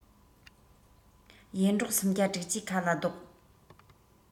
ཡེ འབྲོག སུམ བརྒྱ དྲུག ཅུའི ཁ ལ བཟློག